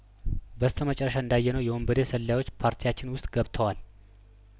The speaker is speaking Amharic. በስተ መጨረሻ እንዳ የነው የወንበዴ ሰላዮች ፓርቲያችን ውስጥ ገብተዋል